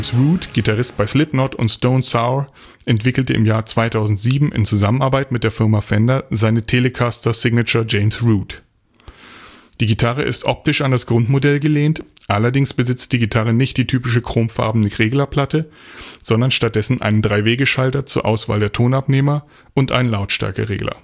Root, Gitarrist bei Slipknot und Stone Sour, entwickelte im Jahr 2007 in Zusammenarbeit mit der Firma Fender seine „ Telecaster Signature James Root “. Die Gitarre ist optisch an das Grundmodell gelehnt, allerdings besitzt die Gitarre nicht die typische chromfarbende Reglerplatte, sondern stattdessen einen 3-Wegeschalter zur Auswahl der Tonabnehmern und einen Lautstärkeregler